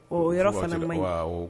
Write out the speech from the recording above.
Ɔ yɛrɛ fana bɛ